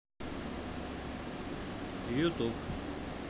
youtube